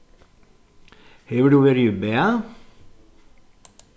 hevur tú verið í bað